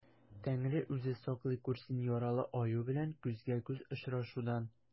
Тәңре үзе саклый күрсен яралы аю белән күзгә-күз очрашудан.